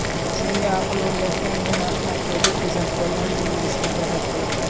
senga aql o'rgatgan men ahmoq dedi kesakpolvon jilmayishga harakat qilib